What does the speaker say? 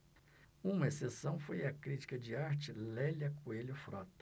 uma exceção foi a crítica de arte lélia coelho frota